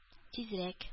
Тизрәк